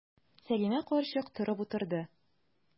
Сәлимә карчык торып утырды.